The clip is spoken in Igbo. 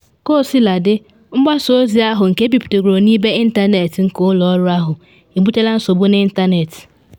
Kaosiladị, mgbasa ozi ahụ, nke ebiputegoro n’ibe Facebook nke ụlọ ọrụ ahụ, ebutela nsogbu n’ịntanetị.